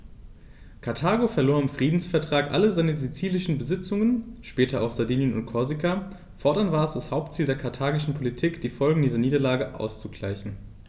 Karthago verlor im Friedensvertrag alle seine sizilischen Besitzungen (später auch Sardinien und Korsika); fortan war es das Hauptziel der karthagischen Politik, die Folgen dieser Niederlage auszugleichen.